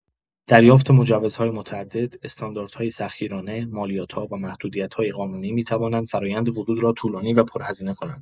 دریافت مجوزهای متعدد، استانداردهای سخت‌گیرانه، مالیات‌ها و محدودیت‌های قانونی می‌توانند فرآیند ورود را طولانی و پرهزینه کنند.